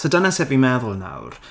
So dyna sut fi'n meddwl nawr.